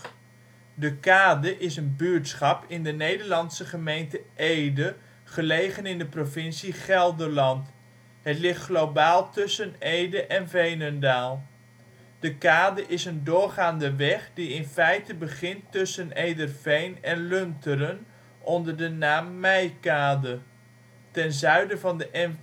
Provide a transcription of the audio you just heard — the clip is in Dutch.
Kade is een buurtschap in de Nederlandse gemeente Ede, gelegen in de provincie Gelderland. Het ligt globaal tussen Ede en Veenendaal. De Kade is een doorgaande weg die in feite begint tussen Ederveen en Lunteren onder de naam Meikade. ten zuiden van de N224